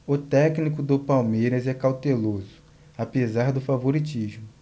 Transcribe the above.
o técnico do palmeiras é cauteloso apesar do favoritismo